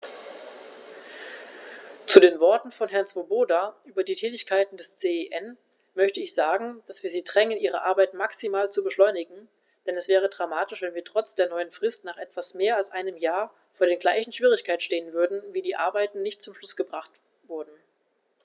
Zu den Worten von Herrn Swoboda über die Tätigkeit des CEN möchte ich sagen, dass wir sie drängen, ihre Arbeit maximal zu beschleunigen, denn es wäre dramatisch, wenn wir trotz der neuen Frist nach etwas mehr als einem Jahr vor den gleichen Schwierigkeiten stehen würden, weil die Arbeiten nicht zum Abschluss gebracht wurden.